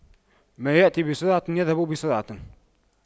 ما يأتي بسرعة يذهب بسرعة